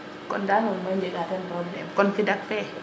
kon dal nun mboy njega teen probléme konn Fidac fe